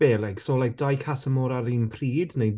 Be like so like dau Casa Amor ar un pryd neu...?